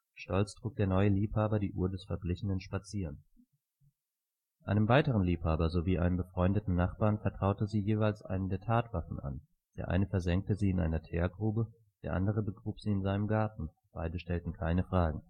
stolz trug der neue Liebhaber die Uhr des Verblichenen spazieren. Einem weiterem Liebhaber sowie einem befreundeten Nachbarn vertraute sie jeweils eine der Tatwaffen an - der eine versenkte sie in einer Teergrube, der andere begrub sie in seinem Garten; beide stellten keine Fragen